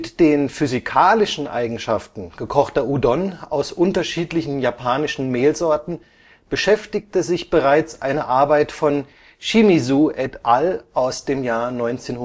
den physikalischen Eigenschaften gekochter Udon aus unterschiedlichen japanischen Mehlsorten beschäftigte sich bereits eine Arbeit von T. Shimizu et al. aus dem Jahr 1958